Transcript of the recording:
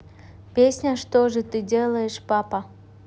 песня что же ты делаешь папа